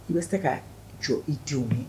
N bɛ se ka jɔ i denw ye